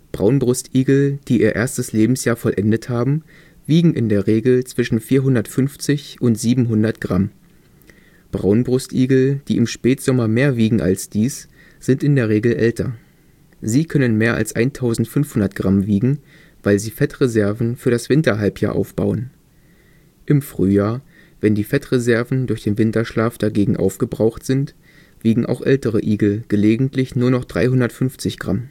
Braunbrustigel, die ihr erstes Lebensjahr vollendet haben, wiegen in der Regel zwischen 450 und 700 Gramm. Braunbrustigel, die im Spätsommer mehr wiegen als dies, sind in der Regel älter. Sie können mehr als 1.500 Gramm wiegen, weil sie Fettreserven für das Winterhalbjahr aufbauen. Im Frühjahr, wenn die Fettreserven durch den Winterschlaf dagegen aufgebraucht sind, wiegen auch ältere Igel gelegentlich nur noch 350 Gramm